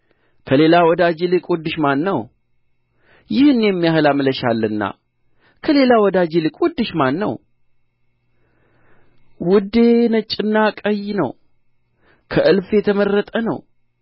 ከሌላ ወዳጅ ይልቅ ውድሽ ማን ነው ይህን የሚያህል አምለሽናልና ከሌላ ወዳጅ ይልቅ ውድሽ ማን ነው ውዴ ነጭና ቀይ ነው ከእልፍ የተመረጠ ነው